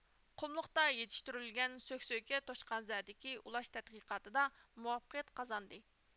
قۇملۇقتا يېتىشتۈرۈلگەن سۆكسۆككە توشقانزەدىكى ئۇلاش تەتقىقاتىدا مۇۋەپپەقىيەت قازاندى